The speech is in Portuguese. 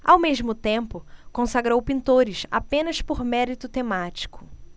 ao mesmo tempo consagrou pintores apenas por mérito temático